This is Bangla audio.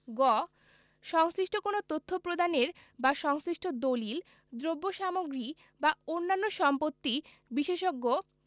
গ সংশ্লিষ্ট কোন তথ্য প্রদানের বা সংশ্লিষ্ট দলিল দ্রব্যসামগ্রী বা অন্যান্য সম্পত্তি বিশেষজ্ঞ